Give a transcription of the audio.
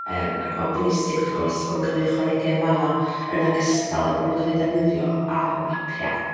Yym ac mae'n bwysig wrth gwrs bod nhw'n cael eu ychwanegu yn fan'no, yn ogystal â bod nhw'n cael eu defnyddio ar fapiau.